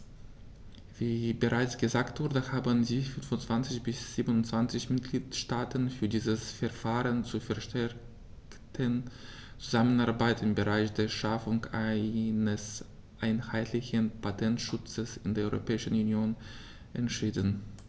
Wie bereits gesagt wurde, haben sich 25 der 27 Mitgliedstaaten für dieses Verfahren zur verstärkten Zusammenarbeit im Bereich der Schaffung eines einheitlichen Patentschutzes in der Europäischen Union entschieden.